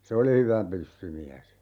se oli hyvä pyssymies